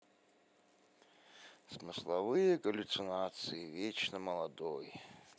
смысловые галлюцинации вечно молодой